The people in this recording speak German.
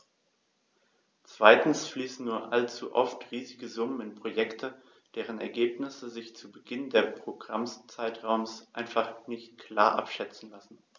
Zweitens fließen nur allzu oft riesige Summen in Projekte, deren Ergebnisse sich zu Beginn des Programmzeitraums einfach noch nicht klar abschätzen lassen.